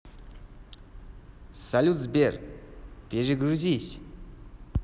салют сбер перегрузись